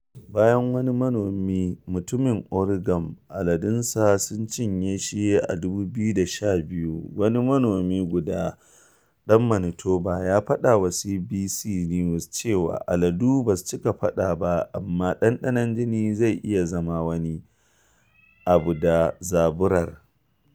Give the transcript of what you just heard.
Bayan wani manomi mutumin Oregun aladunsa sun cinye shi a 2012, wani manomi guda ɗan Manitoba ya faɗa wa CBC News cewa aladu ba su cika faɗa ba amma dandanon jini zai iya zama wani “abu da zaburar.”